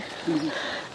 M-hm.